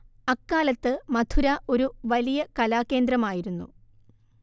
അക്കാലത്ത് മഥുര ഒരു വലിയ കലാകേന്ദ്രമായിരുന്നു